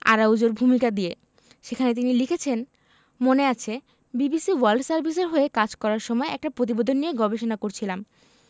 আরাউজোর ভূমিকা দিয়ে সেখানে তিনি লিখেছেন মনে আছে বিবিসি ওয়ার্ল্ড সার্ভিসের হয়ে কাজ করার সময় একটা প্রতিবেদন নিয়ে গবেষণা করছিলাম